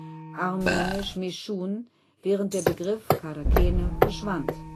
armenisch Meschun), während der Begriff Charakene verschwand